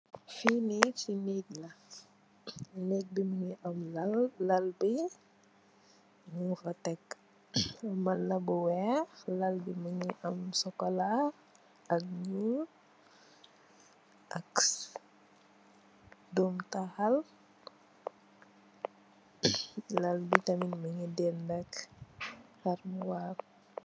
Fii nii, si neek la. Lal bi mungi am lal, lal bi ñung fa Tek matla bu weex. Lal bi mungi am sokolaa ak ñuul ak dòmtaal. Lal bi tamit mungi dendak...